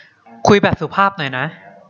คุยแบบสุภาพหน่อยนะ